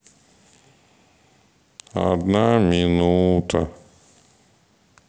одна минута